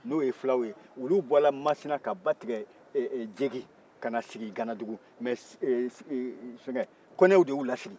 n'o filaw ye olu bɔra masina ka ba tigɛ jegi ka na sigi ganadugu nka konew de y'u lasigi